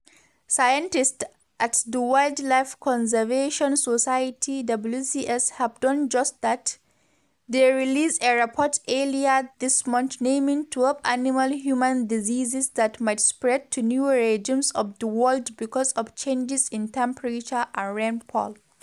Scientists at the Wildlife Conservation Society (WCS) have done just that — they released a report earlier this month naming 12 animal-human diseases that might spread to new regions of the world because of changes in temperature and rainfall.